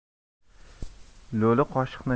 lo'li qoshiqni shosha pisha